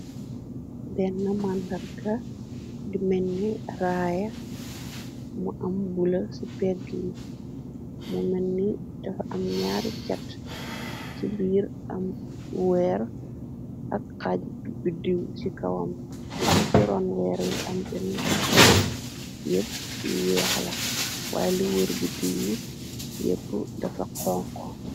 Benn màndarga di menni raaya mu am bula ci pegg yi mu menni defa am ñaari cat ci biir am weer ak xaajitu biddiw ci kawam ci ron weer wi am bennel biddiw yépp yu weex la waye liwëur biddiw yi yépp dafa xon ko.